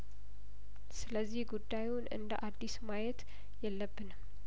ስለዚህ ጉዳዩን እንደ አዲስ ማየት የለብንም